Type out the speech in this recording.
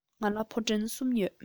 ང ལ ཕུ འདྲེན གསུམ ཡོད